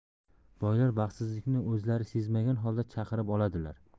boylar baxtsizlikni o'zlari sezmagan holda chaqirib oladilar